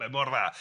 Mae mor dda.